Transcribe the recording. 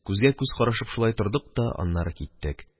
Күзгә күз карашып шулай тордык та, аннары киттек.